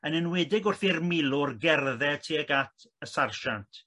yn enwedig wrth i'r milwr gerdded tuag at y sarjant.